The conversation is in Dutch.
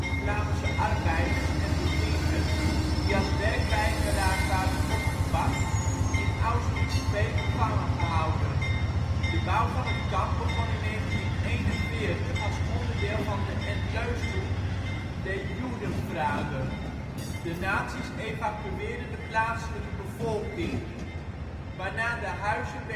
Vlaamse arbeiders en bedienden die als werkweigeraars waren opgepakt, in Auschwitz II gevangen gehouden. De bouw van het kamp begon in 1941 als onderdeel van de Endlösung der Judenfrage. De nazi 's evacueerden de plaatselijke bevolking, waarna de huizen